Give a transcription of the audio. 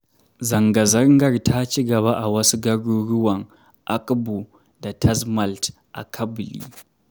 Zangazangar ta ci gaba a wasu garuruwan: Akbou da Tazmalt a Kabylie.